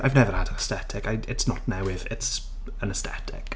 I've never had an aesthetic. I- d- it's not newydd it's an aesthetic.